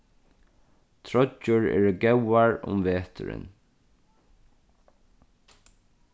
troyggjur eru góðar um veturin